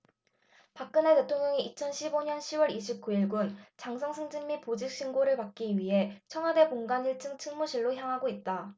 박근혜 대통령이 이천 십 오 년 시 월 이십 구 일 군 장성 승진 및 보직신고를 받기 위해 청와대 본관 일 층 충무실로 향하고 있다